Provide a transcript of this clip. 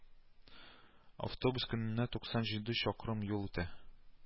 Автобус көненә туксан җиде чакрым юл үтә